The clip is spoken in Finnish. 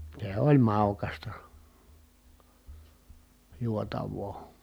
se oli maukasta juotavaa